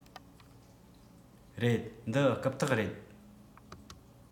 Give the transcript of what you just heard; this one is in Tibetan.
རེད འདི རྐུབ སྟེགས རེད